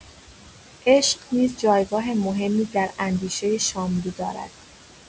عشق نیز جایگاه مهمی در اندیشه شاملو دارد.